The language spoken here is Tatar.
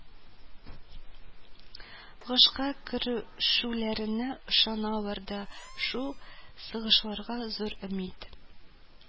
Гышка керешүләренә ышаналар вә шул сугышларга зур өмид